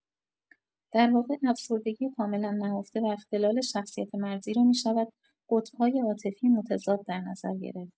در واقع افسردگی کاملا نهفته و اختلال شخصیت مرزی را می‌شود قطب‌های عاطفی متضاد در نظر گرفت.